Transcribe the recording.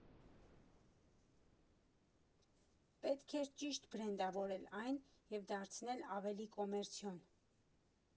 Պետք էր ճիշտ բրենդավորել այն և դարձնել ավելի կոմերցիոն։